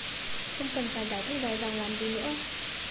không cần phải giải thích dài dòng làm gì nữa